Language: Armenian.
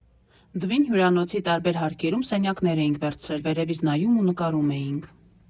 «Դվին» հյուրանոցի տարբեր հարկերում սենյակներ էինք վերցրել՝ վերևից նայում ու նկարում էինք։